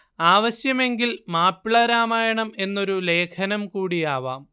ആവശ്യമെങ്കിൽ മാപ്പിള രാമായണം എന്നൊരു ലേഖനം കൂടി ആവാം